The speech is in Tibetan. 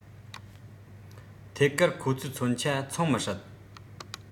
ཐད ཀར ཁོ ཚོས མཚོན ཆ འཚོང མི སྲིད